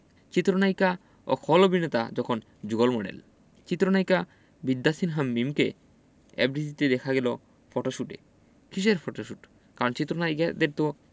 চিত্রনায়িকা ও খল অভিনেতা যখন যুগল মডেল চিত্রনায়িকা বিদ্যা সিনহা মিমকে এফডিসিতে দেখা গেল ফটোশুটে কিসের ফটোশুট কারণ চিত্রনায়িকাদের তো